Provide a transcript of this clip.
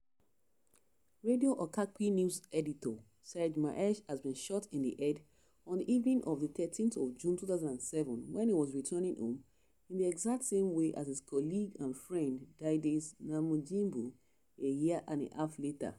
Radio Okapi news editor Serge Maheshe had been shot in the head on the evening of the 13th of June 2007 when he was returning home, in the exact same way as his colleague and friend Didace Namujimbo a year and a half later.